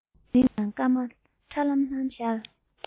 མིག ནང སྐར མ ཁྲ ལམ ལམ ཤར